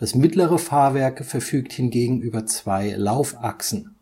mittlere Fahrwerk verfügt hingegen über zwei Laufachsen